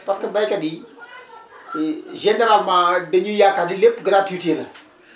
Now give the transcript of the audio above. parce que béykat yi généralement dañuy yaakaar ni lépp gratuité la